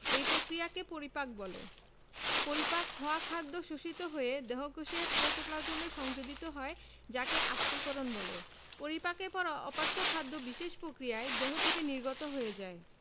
এই প্রক্রিয়াকে পরিপাক বলে পরিপাক হওয়া খাদ্য শোষিত হয়ে দেহকোষের প্রোটোপ্লাজমে সংযোজিত হয় যাকে আত্তীকরণ বলে পরিপাকের পর অপাচ্য খাদ্য বিশেষ প্রক্রিয়ায় দেহ থেকে নির্গত হয়ে যায়